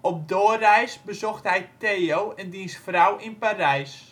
Op doorreis bezocht hij Theo en diens vrouw in Parijs